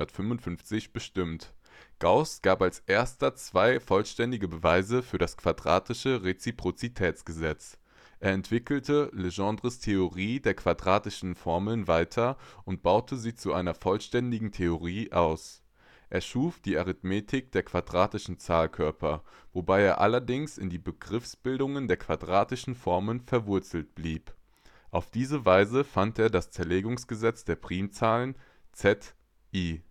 1855) bestimmt. Gauß gab als Erster zwei vollständige Beweise für das quadratische Reziprozitätsgesetz. Er entwickelte Legendres Theorie der quadratischen Formen weiter und baute sie zu einer vollständigen Theorie aus. Er schuf die Arithmetik der quadratischen Zahlkörper, wobei er allerdings in den Begriffsbildungen der quadratischen Formen verwurzelt blieb. Auf diese Weise fand er das Zerlegungsgesetz der Primzahlen in